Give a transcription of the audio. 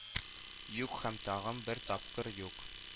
Юк, һәм тагын бер тапкыр юк